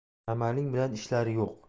amaling bilan ishlari yo'q